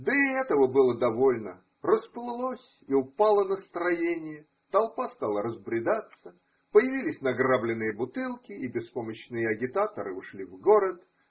Да и этого было довольно: расплылось и упало настроение, толпа стала разбредаться, появились награбленные бутылки, и беспомощные агитаторы ушли в город.